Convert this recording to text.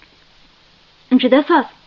juda soz